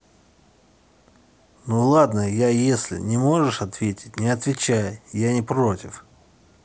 ну ладно я если не можешь ответить не отвечай я не против